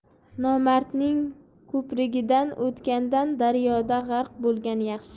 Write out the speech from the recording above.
nomardning ko'prigidan o'tgandan daryoda g'arq bo'lgan yaxshi